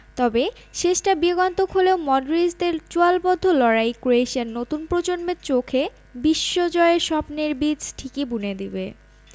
তবে শেষটা বিয়োগান্তক হলেও মডরিচদের চোয়ালবদ্ধ লড়াই ক্রোয়েশিয়ার নতুন প্রজন্মের চোখে বিশ্বজয়ের স্বপ্নে বীজ ঠিকই বুনে দেবে